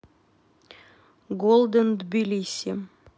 голден тбилиси